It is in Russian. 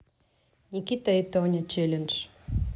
никита и тоня челлендж